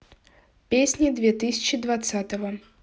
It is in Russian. песни две тысячи двадцатого